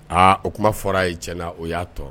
Aa o kuma fɔra ye j na o y'a tɔ